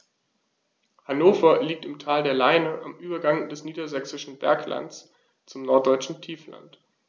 Hannover liegt im Tal der Leine am Übergang des Niedersächsischen Berglands zum Norddeutschen Tiefland.